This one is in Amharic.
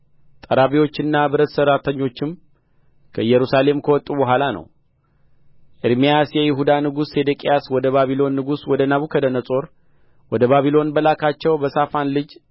ጠራቢዎችና ብረት ሠራተኞችም ከኢየሩሳሌም ከወው በኋላ ነው ኤርምያስ የይሁዳ ንጉሥ ሴዴቅያስ ወደ ባቢሎን ንጉሥ ወደ ናቡከደነፆር ወደ ባቢሎን በላካቸው በሳፋን ልጅ